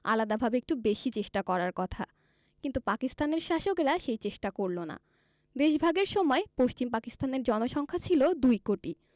আলাদাভাবে একটু বেশি চেষ্টা করার কথা কিন্তু পাকিস্তানের শাসকেরা সেই চেষ্টা করল না দেশভাগের সময় পশ্চিম পাকিস্তানের জনসংখ্যা ছিল দুই কোটি